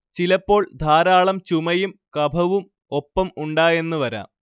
ചിലപ്പോൾ ധാരാളം ചുമയും കഫവും ഒപ്പം ഉണ്ടായെന്ന് വരാം